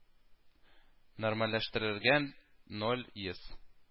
: нормальләштерелгән ноль йөз